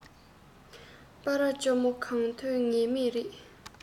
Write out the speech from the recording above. སྤ ར ལྕ མོ གང ཐོན ངེས མེད རེད